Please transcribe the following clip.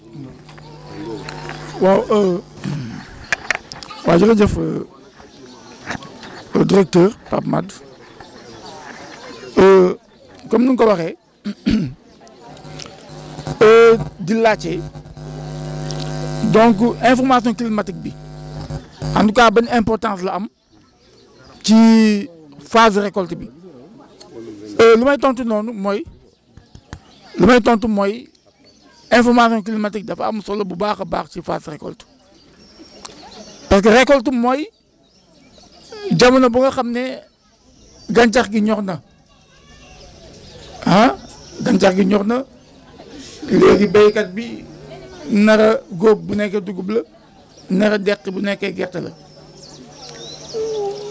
waaw waaw jërëjëf diracteur Pape Madd comme ni mu ko waxee di laajte donc information climatique bi en tout cas benn importance la am ci phase récolte bi lu may tontu noonu mooy lu may tontu mooy information climatique dafa am solo bu baax a baax ci phase récolte parce que récolte mooy jamono bu nga xam ne gàncax gi ñor na ah gàncax gi ñor na léegi béykat bi nar a góob bu nekkee dugub la nar a deqi bu nekkee gerte la